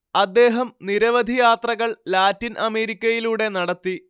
അദ്ദേഹം നിരവധി യാത്രകൾ ലാറ്റിൻ അമേരിക്കയിലൂടെ നടത്തി